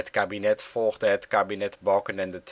kabinet volgde het kabinet-Balkenende